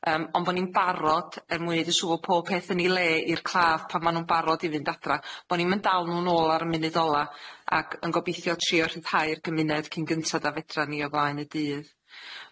Yym on' bo' ni'n barod er mwyn neu yn swr fod pobpeth yn i le i'r claf pan ma' nw'n barod i fynd adra, bo' ni'm yn dal nw nôl ar y munud ola, ag yn gobithio trio rhyddhau'r gymuned cyn gynta a fedra ni o flaen y dydd.